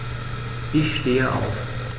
Ich stehe auf.